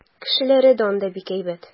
Кешеләре дә анда бик әйбәт.